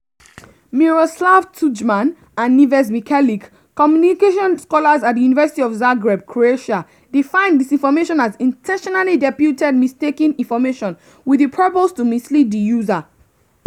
Miroslav Tudjman and Nives Mikelic, communication scholars at the University of Zagreb, Croatia, define disinformation as "intentionally deputed mistaken information with the purpose to mislead the user".